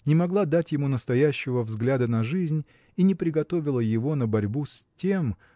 не могла дать ему настоящего взгляда на жизнь и не приготовила его на борьбу с тем